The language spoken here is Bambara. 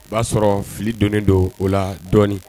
O b'a sɔrɔ fili donnen don o la dɔɔnin